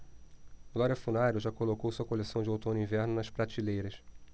glória funaro já colocou sua coleção de outono-inverno nas prateleiras